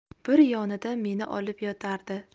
bir yonida meni olib yotardi